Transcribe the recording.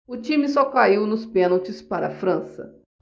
o time só caiu nos pênaltis para a frança